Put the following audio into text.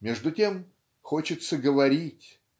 Между тем хочется говорить.